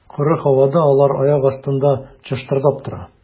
Коры һавада алар аяк астында чыштырдап тора.